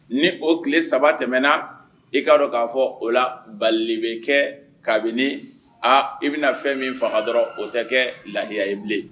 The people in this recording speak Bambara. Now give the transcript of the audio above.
Ni o tile saba tɛmɛna i k'a dɔn k'a fɔ o la balibe kɛ kabini a i bɛna fɛn min fanga dɔrɔn o tɛ kɛ lahiya ye bilen